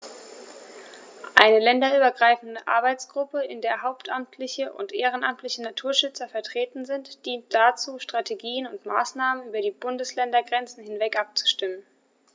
Eine länderübergreifende Arbeitsgruppe, in der hauptamtliche und ehrenamtliche Naturschützer vertreten sind, dient dazu, Strategien und Maßnahmen über die Bundesländergrenzen hinweg abzustimmen.